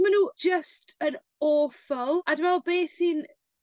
ma' n'w jyst yn aweful a dwi me'wl be' sy'n